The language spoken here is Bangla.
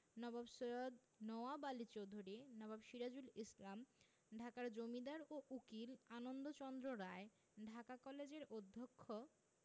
নবাব সৈয়দ নওয়াব আলী চৌধুরী নবাব সিরাজুল ইসলাম ঢাকার জমিদার ও উকিল আনন্দচন্দ্র রায় ঢাকা কলেজের অধ্যক্ষ